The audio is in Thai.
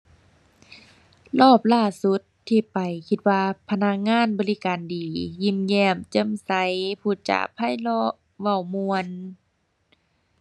รอบล่าสุดที่ไปคิดว่าพนักงานบริการดี ยิ้มแย้ม แจ่มใส พูดจาไพเราะ เว้าม่วน